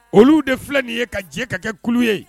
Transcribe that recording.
Olu de filɛ nin ye ka jɛ ka kɛ kulu ye ye